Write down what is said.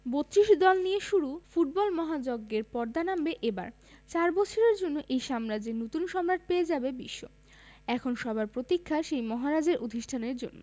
৩২ দল নিয়ে শুরু ফুটবল মহাযজ্ঞের পর্দা নামবে এবার চার বছরের জন্য এই সাম্রাজ্যের নতুন সম্রাট পেয়ে যাবে বিশ্ব এখন সবার প্রতীক্ষা সেই মহারাজের অধিষ্ঠানের জন্য